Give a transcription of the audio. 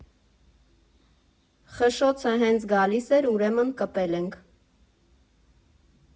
Խշշոցը հենց գալիս էր, ուրեմն կպել ենք։